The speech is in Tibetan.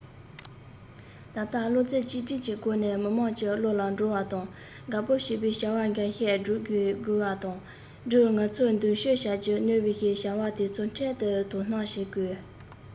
ད ལྟ བློ ཙེ གཅིག སྒྲིམ གྱི སྒོ ནས མི དམངས ཀྱི བློ ལ འགྲོ བ དང དགའ པོ བྱེད པའི བྱ བ འགའ ཤས བསྒྲུབ དགོས དགོས བ དང སྤྲགས ང ཚོ མདུན བསྐྱོད བྱ རྒྱུར གནོད བའི བྱ བ དེ ཚོར འཕྲལ དུ དོ སྣང བྱེད དགོས